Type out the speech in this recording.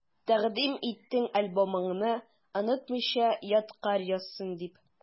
Тәкъдим иттең альбомыңны, онытмыйча ядкарь язсын дип.